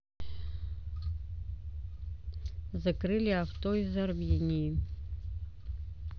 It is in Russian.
закрыли авто из армении